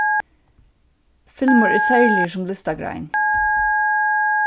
filmur er serligur sum listagrein